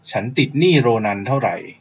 ฉันติดหนี้โรนันเท่าไร